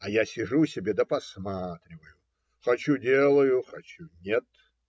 А я сижу себе да посматриваю: хочу - делаю, хочу - нет